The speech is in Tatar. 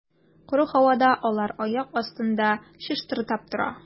Коры һавада алар аяк астында чыштырдап тора.